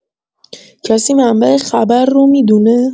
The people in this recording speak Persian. کسی منبع خبر رو می‌دونه؟